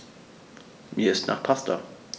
Mir ist nach Pasta.